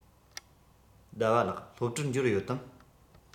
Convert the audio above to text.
ཟླ བ ལགས སློབ གྲྭར འབྱོར ཡོད དམ